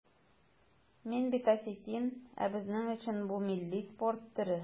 Мин бит осетин, ә безнең өчен бу милли спорт төре.